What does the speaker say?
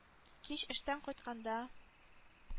Кич эштән кайтканда